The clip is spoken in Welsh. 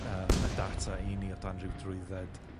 yym y data i ni o dan ryw drwydded